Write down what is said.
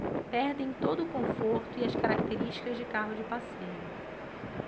perdem todo o conforto e as características de carro de passeio